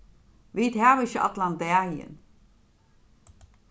vit hava ikki allan dagin